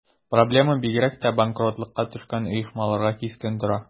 Проблема бигрәк тә банкротлыкка төшкән оешмаларда кискен тора.